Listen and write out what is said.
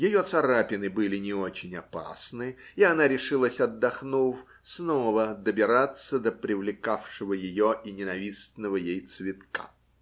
ее царапины были не очень опасны, и она решилась, отдохнув, снова добираться до привлекавшего ее и ненавистного ей цветка.